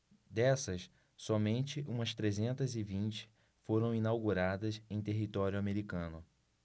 dessas somente umas trezentas e vinte foram inauguradas em território americano